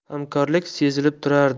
hamkorlik sezilib turardi